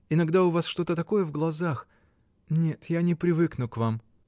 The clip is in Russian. Иногда у вас что-то такое в глазах. Нет, я не привыкну к вам.